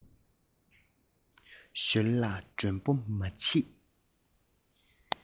ཞོལ ལ མགྲོན པོ མ མཆིས